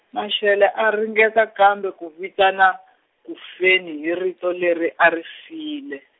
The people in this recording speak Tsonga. Mashele a ringeta kambe ku vitana kufeni hi rito leri a ri file.